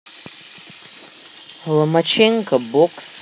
ломаченко бокс